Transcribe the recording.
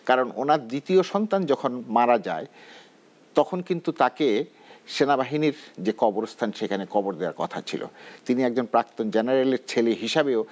কারণ ওনার দ্বিতীয় সন্তান যখন মারা যায় তখন কিন্তু তাকে সেনাবাহিনীর যে কবরস্থান সেখানে কবর দেয়ার কথা ছিল তিনি একজন প্রাক্তন জেনারেলের ছেলে হিসেবে ও